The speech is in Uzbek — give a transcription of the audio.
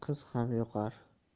qiz ham yoqar